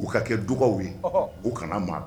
U ka kɛ dubaw ye u kana ma